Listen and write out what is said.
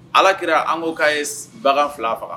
Ala kɛra an ko k' ye bagan fila faga